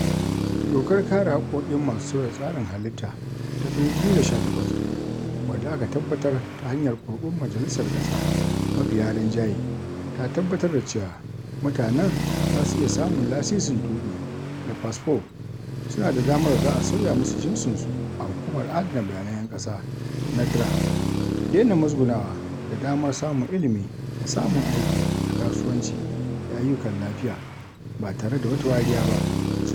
Dokar (Kare Haƙƙoƙin) masu sauya tsarin halitta ta 2018 wadda aka tabbatar ta hanyar ƙuri'un majalisar ƙasa mafiya rinjaye, ta tabbatar da cewa mutanen za su iya samun lasisin tuƙi da fasfo, suna da damar da za a sauya musu jinsinsu a Hukumar Adana Bayanan 'Yan ƙasa (NADRA), daina musgunawa da damar samun ilimi da samun aiki a kasuwanci da ayyukan lafiya ba tare da wata wariya ba.